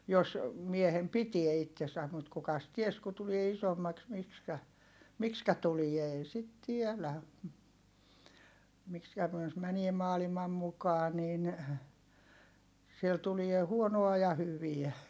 jos miehen pitää itsensä mutta kukas tiesi kun tulee isommaksi miksi miksi tulee ei sitä tiedä miksi - jos menee maailman mukaan niin siellä tulee huonoa ja hyviä